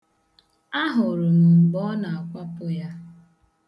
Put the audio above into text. Ahụrụ m mgbe ọ na-akwapụ ya.